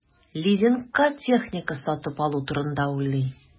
Лизингка техника сатып алу турында уйлый.